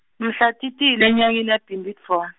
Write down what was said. mhla titile enyangeni yaBhimbidvwane.